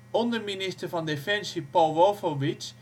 Onderminister van defensie Paul Wolfowitz